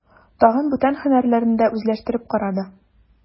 Тагын бүтән һөнәрләрне дә үзләштереп карады.